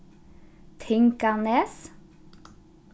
tinganes